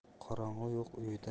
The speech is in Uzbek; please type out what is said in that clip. qarnog'i yo'q uyida